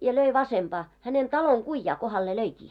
ja löi vasempaan hänen talon kujaa kohdalle löikin